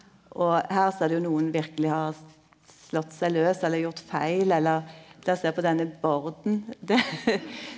og her ser du nokon verkeleg har slått seg laus eller gjort feil eller dokker ser på denne borden .